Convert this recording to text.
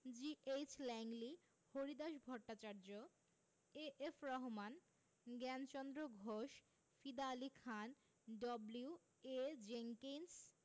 G H Langley Haridas Bhattacharya A F Rahman Gyanchandra Ghosh Fida Ali Khan W A Jenkins